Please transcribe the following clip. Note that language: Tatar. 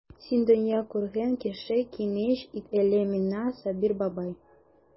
Син дөнья күргән кеше, киңәш ит әле миңа, Сабир бабай.